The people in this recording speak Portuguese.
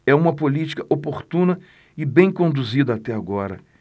é uma política oportuna e bem conduzida até agora